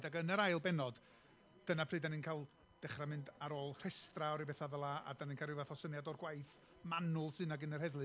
ac yn yr ail bennod, dyna pryd dan ni'n cael dechrau mynd ar ôl rhestrau o ryw bethau fela, a dan ni'n cael ryw fath o syniad o'r gwaith manwl sy 'na gan yr heddlu.